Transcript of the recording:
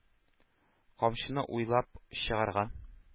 Камчыны уйлап чыгарган.